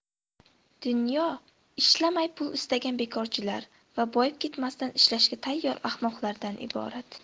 dunyo ishlamay pul istagan bekorchilar va boyib ketmasdan ishlashga tayyor ahmoqlardan iborat